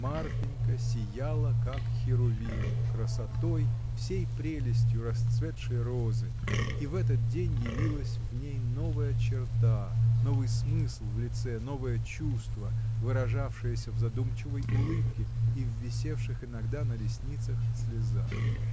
Марфинька сияла, как херувим, — красотой, всей прелестью расцветшей розы, и в этот день явилась в ней новая черта, новый смысл в лице, новое чувство, выражавшееся в задумчивой улыбке и в висевших иногда на ресницах слезах.